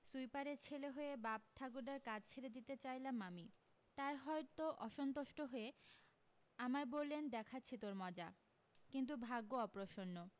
সুইপারের ছেলে হয়ে বাপ ঠাকুরদার কাজ ছেড়ে দিতে চাইলাম আমি তাই হয়তো অসন্তুষ্ট হয়ে আমায় বললেন দেখাচ্ছি তোর মজা কিন্তু ভাগ্য অপ্রসন্ন